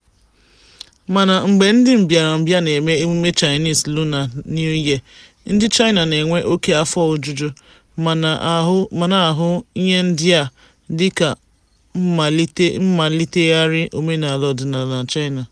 Mana mgbe ndị mbịarambịa na-eme emume Chinese Lunar New Year, ndị China na-enwe oke afọ ojuju ma na-ahụ ihe ndị a dịka mmalitegharị omenala ọdịnala ndị China...